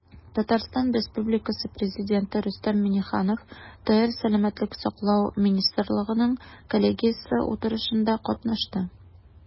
Татарстан Республикасы Президенты Рөстәм Миңнеханов ТР Сәламәтлек саклау министрлыгының коллегиясе утырышында катнашты.